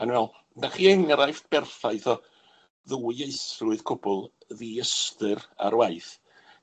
A o'n i'n me'wl, 'nach chi enghraifft berffaith o ddwyieithrwydd cwbwl ddi-ystyr ar waith.